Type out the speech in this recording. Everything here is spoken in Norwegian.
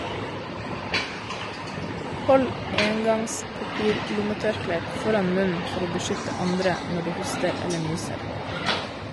Hold engangs papirlommetørklær foran munnen for å beskytte andre når du hoster eller nyser.